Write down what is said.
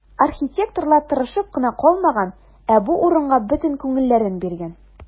Архитекторлар тырышып кына калмаган, ә бу урынга бөтен күңелләрен биргән.